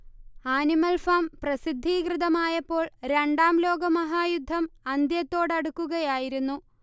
animal Farm പ്രസിദ്ധീകൃതമായപ്പോൾ രണ്ടാം ലോകമഹായുദ്ധം അന്ത്യത്തോടടുക്കുകയായിരുന്നു